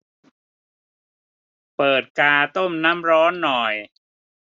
เปิดกาต้มน้ำร้อนหน่อย